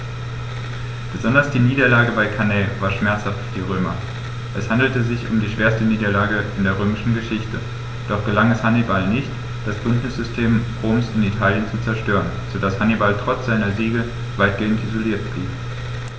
Besonders die Niederlage bei Cannae war schmerzhaft für die Römer: Es handelte sich um die schwerste Niederlage in der römischen Geschichte, doch gelang es Hannibal nicht, das Bündnissystem Roms in Italien zu zerstören, sodass Hannibal trotz seiner Siege weitgehend isoliert blieb.